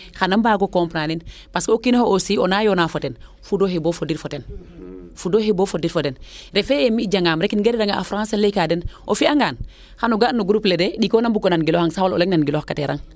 xana mbaago comprendre in parce que o kinoxe aussi o naanga yoona fo ten fudooxi bo fodir fo ten fudooxi bo fodir fo ten refee ye mi jangaam rek im gara nga a Francais im ley kaa den o fiya ngaan xano ga no groupe le de ɗiko na mbuko nan gilwang saam o leŋ na giloox ka tirang